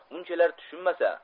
unchalar tushunmasa